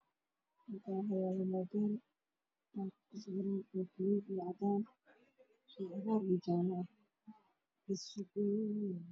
Meeshaan waxaa yaalla meel waxaa yaalo taleefan midabkiisa yahay madow waxaa aada yaalla xarig waxa uu saaran yahay mi